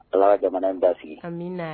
Ala jamana in ba sigi